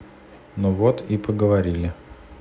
ну вот и поговорили